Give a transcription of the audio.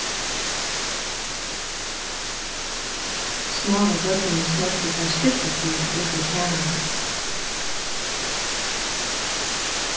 smáu børnini smoygdu sær stillisliga út úr kamarinum